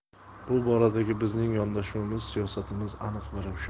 bu boradagi bizning yondashuvimiz siyosatimiz aniq va ravshan